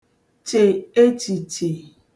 chè echìchè